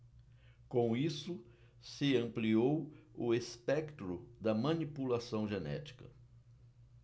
com isso se ampliou o espectro da manipulação genética